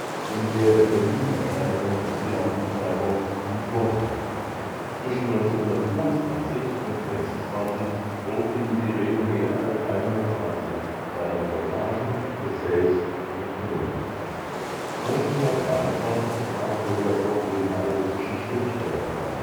in der in Berlin erscheinenden Exilantenzeitung Am Vortag. Zwischen 1922 und 1926 druckte die Sirene mehr als 120 seiner Reportagen, Essays und Kolumnen. 1923 trat Bulgakow dem Allrussischen Schriftstellerverband